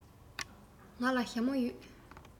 ང ལ ཞྭ མོ ཡོད